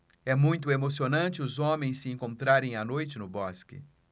é muito emocionante os homens se encontrarem à noite no bosque